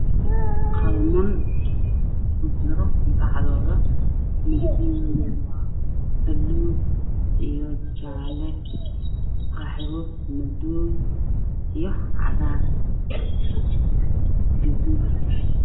Meeshaas ayaa la qalmaan jiro bacdoodii buu keenay kalaradooduba gadiid madow cadaan baluu jaallo